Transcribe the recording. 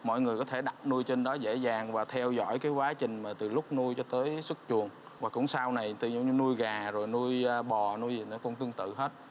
mọi người có thể đặt nuôi trên đó dễ dàng và theo dõi cái quá trình mà từ lúc nuôi cho tới xuất chuồng và cũng sao này tôi giống như nuôi gà rồi nuôi bò nuôi ở cũng tương tự hết